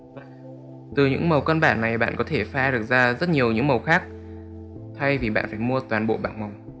từ những màu căn bản này bạn có thể pha được ra rất nhiều màu khác từ những màu căn bản này bạn có thể pha được ra rất nhiều màu khác thay vì bạn phải mua toàn bộ bảng màu